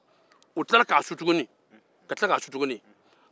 u tilala k'a su tuguni